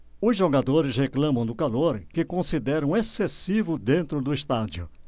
os jogadores reclamam do calor que consideram excessivo dentro do estádio